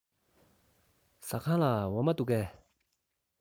ཟ ཁང ལ འོ མ འདུག གས